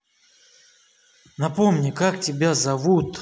напомни как тебя зовут